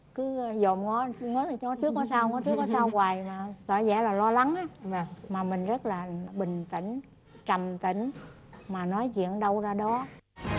cứ dòm ngó ngó trước ngó sau ngó trước ngó sau hoài à tỏ vẻ là lo lắng á mà mà mình rất là bình tĩnh chằm tĩnh mà nói chuyện đâu ra đó